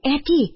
Әти